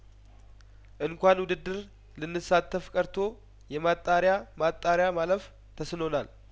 እንኳን ውድድር ልን ሳተፍ ቀርቶ የማጣሪያ ማጣሪያ ማለፍ ተስኖናል